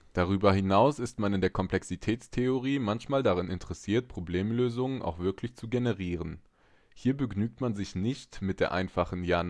Darüber hinaus ist man in der Komplexitätstheorie manchmal daran interessiert, Problemlösungen auch wirklich zu generieren. Hier begnügt man sich nicht mit der einfachen Ja/Nein-Antwort